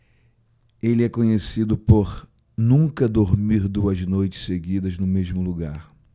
ele é conhecido por nunca dormir duas noites seguidas no mesmo lugar